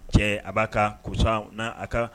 Cɛ a b'a ka kosa n na a ka kan